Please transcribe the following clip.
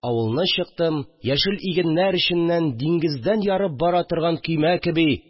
Авылны чыктым, яшел игеннәр эченнән диңгездән ярып бара торган көймә кеби